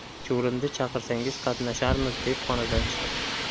chuvrindi chaqirsangiz qatnasharmiz deb xonadan chiqdi